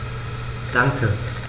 Danke.